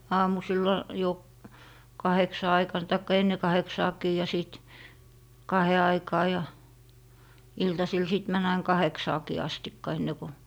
aamusilla jo kahdeksan aikana tai ennen kahdeksaakin ja sitten kahden aikaan ja iltasilla sitten meni aina kahdeksaankin asti ennen kuin